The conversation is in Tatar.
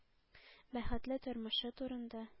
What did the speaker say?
“бәхетле тормышы” турында